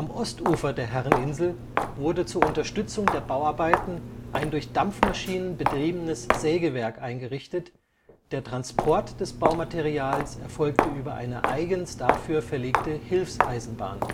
Ostufer der Herreninsel wurde zur Unterstützung der Bauarbeiten ein durch Dampfmaschinen betriebenes Sägewerk eingerichtet, der Transport des Baumaterials erfolgte über eine eigens dafür verlegte Hilfseisenbahn